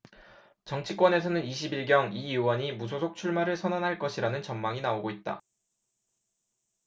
정치권에서는 이십 일 경 이 의원이 무소속 출마를 선언할 것이라는 전망이 나오고 있다